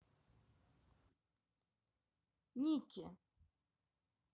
ники